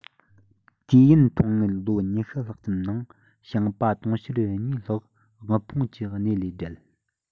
དུས ཡུན ཐུང ངུ ལོ ཉི ཤུ ལྷག ཙམ ནང ཞིང པ དུང ཕྱུར གཉིས ལྷག དབུལ ཕོངས ཀྱི གནས ལས བསྒྲལ